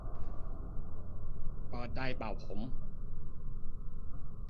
เปิดไดร์เป่าผม